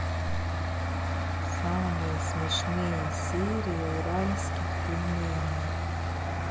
самые смешные серии уральских пельменей